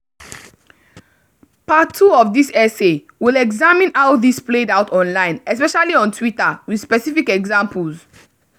Part II of this essay will examine how this played out online, especially on Twitter, with specific examples.